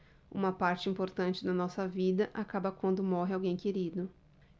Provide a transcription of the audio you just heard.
uma parte importante da nossa vida acaba quando morre alguém querido